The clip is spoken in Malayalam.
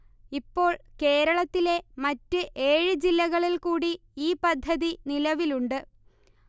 ഇപ്പോൾ കേരളത്തിലെ മറ്റ് ഏഴ് ജില്ലകളിൽ കൂടി ഈ പദ്ധതി നിലവിലുണ്ട്